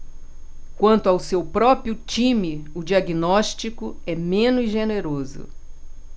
quanto ao seu próprio time o diagnóstico é menos generoso